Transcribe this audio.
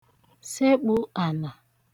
sekpū ànà